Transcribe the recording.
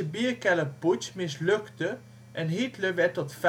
Bierkellerputsch mislukte en Hitler werd tot